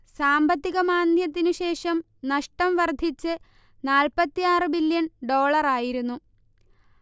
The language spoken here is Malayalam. സാമ്പത്തിക മാന്ദ്യത്തിനുശേഷം നഷ്ടം വർധിച്ച് നാൽപ്പത്തിയാറ് ബില്യൺ ഡോളറായിരുന്നു